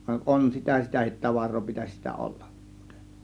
vaan on sitä sitäkin tavaraa pitäisi sitä olla muuten